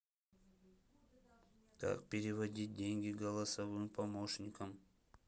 как переводить деньги голосовым помощником